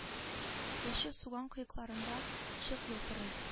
Яшел суган кыякларында чык елтырый